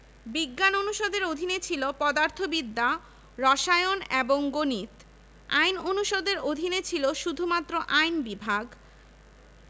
৩টি প্রস্তাবিত ৮টি ইনস্টিটিউট ৩৯টি ব্যুরো ও গবেষণা কেন্দ্র ১ হাজার ৭৫০ জন শিক্ষক ৪৩ হাজার ১০৯ জন ছাত্র ছাত্রী